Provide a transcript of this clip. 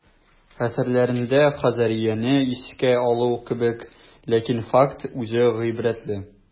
Әсәрләрендә Хазарияне искә алу кебек, ләкин факт үзе гыйбрәтле.